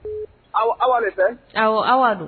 Aw aw fɛ aw aw don